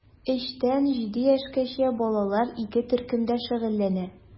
3 тән 7 яшькәчә балалар ике төркемдә шөгыльләнә.